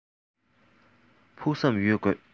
ཕུགས བསམ ཡོད དགོས